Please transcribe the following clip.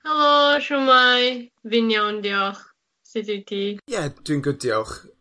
Helo, shwmai, fi'n iawn, diolch, sud wyt ti? Ie, dwi'n good diolch.